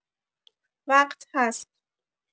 وقت هست